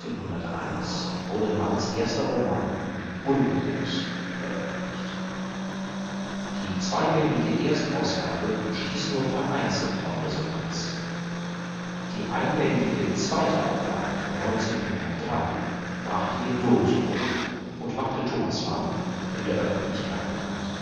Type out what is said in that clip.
1901 wurde Manns erster Roman Buddenbrooks veröffentlicht. Die zweibändige Erstausgabe stieß nur vereinzelt auf Resonanz. Die einbändige zweite Auflage von 1903 brachte den Durchbruch und machte Thomas Mann in der Öffentlichkeit bekannt